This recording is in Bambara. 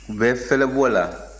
u bɛ fɛlɛbɔ la